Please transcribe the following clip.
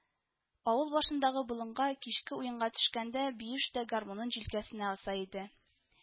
Авыл башындагы болынга кичке уенга төшкәндә Биюш тә гармунын җилкәсенә аса иде